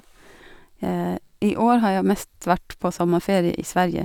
I år har jeg mest vært på sommerferie i Sverige.